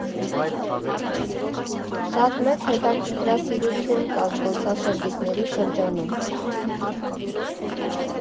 Շատ մեծ հետաքրքրասիրություն կա զբոսաշրջիկների շրջանում։